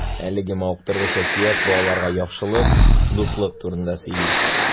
Әлеге мавыктыргыч әкият балаларга яхшылык, дуслык турында сөйли.